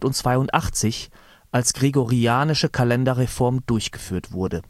1582 als Gregorianische Kalenderreform durchgeführt wurde